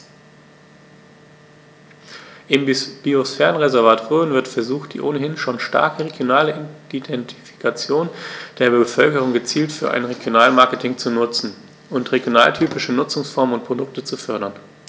Im Biosphärenreservat Rhön wird versucht, die ohnehin schon starke regionale Identifikation der Bevölkerung gezielt für ein Regionalmarketing zu nutzen und regionaltypische Nutzungsformen und Produkte zu fördern.